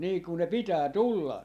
niin kun ne pitää tulla